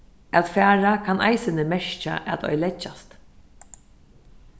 at fara kann eisini merkja at oyðileggjast